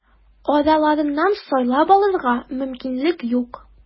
Араларыннан сайлап алырга мөмкинлек юк.